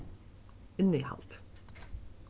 innihald